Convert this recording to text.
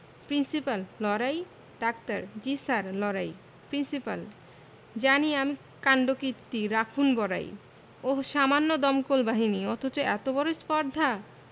principal লড়াই ডাক্তার জ্বী স্যার লড়াই প্রিন্সিপাল জানি আমি কাণ্ডকীর্তি রাখুন বড়াই ওহ্ সামান্য দমকল বাহিনী অথচ এত বড় স্পর্ধা